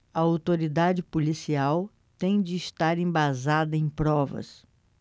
a autoridade policial tem de estar embasada em provas